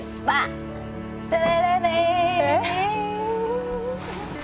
ba te re té